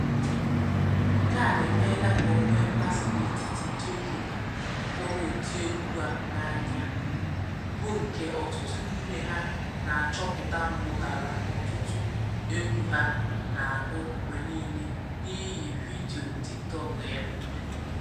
Nke a emeela ka o nwee mmasị n'etiti ndị okenye hụrụ ụdị egwu a n'anya, bụ nke ọtụtụ n'ime ha na-achọpụta mpụtara ọtụtụ egwu ha na-agụ mgbe niile n'ịhị vidiyo TikTok ya.